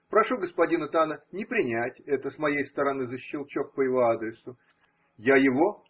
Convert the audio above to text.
прошу господина Тана не принять это с моей стороны за щелчок по его адресу – я его.